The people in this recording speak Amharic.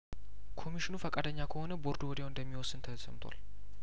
ኮሚሽኑ ፈቃደኛ ከሆነ ቦርዱ ወዲያው እንደሚወስን ተሰምቷል